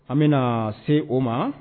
An bɛna na se o ma